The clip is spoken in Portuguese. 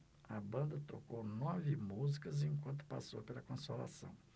a banda tocou nove músicas enquanto passou pela consolação